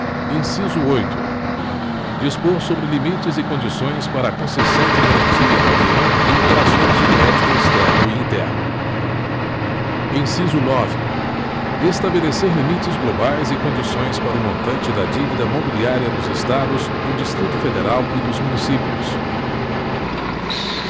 inciso oito dispor sobre limites e condições para a concessão de garantia da união em operações de crédito externo e interno inciso nove estabelecer limites globais e condições para o montante da dívida mobiliária dos estados do distrito federal e dos municípios